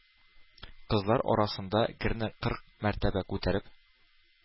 Кызлар арасында, герне кырк мәртәбә күтәреп,